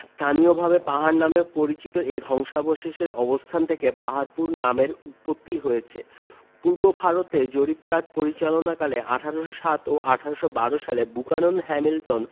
স্থানীয়ভাবে পাহাড় নামে পরিচিত এ ধ্বংসাবশেষের অবস্থান থেকে পাহাড়পুর নামের উৎপত্তি হয়েছে পূর্বভারতে জরিপ কাজ পরিচালনাকালে ১৮০৭ ও ১৮১২ সালে বুকানন হ্যামিল্টন